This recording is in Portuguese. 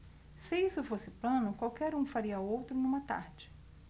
se isso fosse plano qualquer um faria outro numa tarde